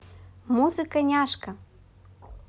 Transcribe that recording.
музыка няшка